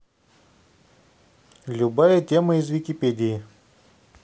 любая тема из википедии